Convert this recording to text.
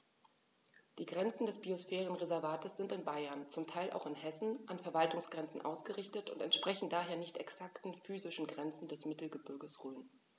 Die Grenzen des Biosphärenreservates sind in Bayern, zum Teil auch in Hessen, an Verwaltungsgrenzen ausgerichtet und entsprechen daher nicht exakten physischen Grenzen des Mittelgebirges Rhön.